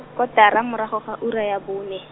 kotara morago ga ura ya bone.